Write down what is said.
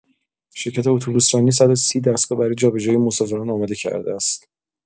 شرکت اتوبوس‌رانی ۱۳۰ دستگاه برای جابجایی مسافران آماده کرده است.